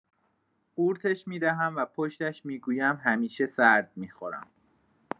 قورتش می‌دهم و پشتش می‌گویم همیشه سرد می‌خورم.